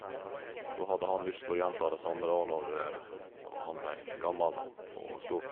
Og da hadde han lyst til å gjenta det samme, da, når når han blei gammel og og stor.